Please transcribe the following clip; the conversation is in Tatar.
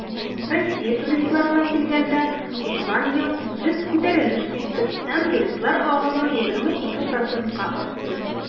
Россия туристларына килгәндә, узган ел без күтәрелеш сиздек һәм туристлар агымы 22 %-ка артты.